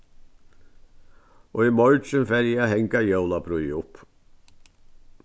í morgin fari eg at hanga jólaprýði upp